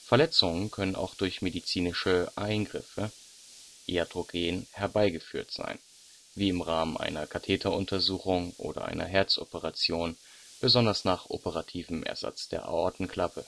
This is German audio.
Verletzungen können auch durch medizinische Eingriffe (iatrogen) herbeigeführt sein, wie im Rahmen einer Katheteruntersuchung oder einer Herzoperation, besonders nach operativem Ersatz der Aortenklappe.